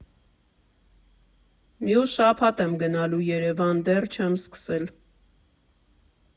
Մյուս շաբաթ եմ գնալու Երևան, դեռ չեմ սկսել…